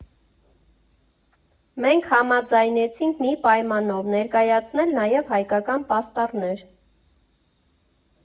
֊ Մենք համաձայնեցինք մի պայմանով՝ ներկայացնել նաև հայկական պաստառներ։